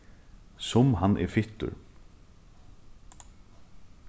sum hann er fittur